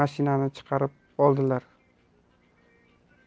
mashinani chiqarib oldilar